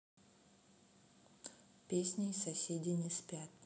песня и соседи не спят